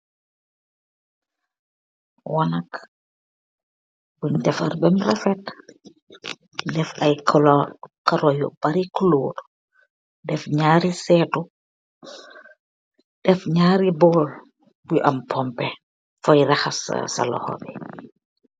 wanak buñ defar bem rafet def ay karoyu bari kuloor def nyari seetu def ñaari bool bu am pompe foy raxasa sa loxo bi.